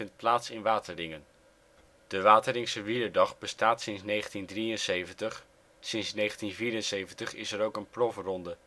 plaats in Wateringen. De Wateringse wielerdag bestaat sinds 1973, sinds 1974 is er ook een profronde